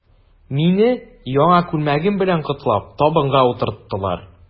Мине, яңа күлмәгем белән котлап, табынга утырттылар.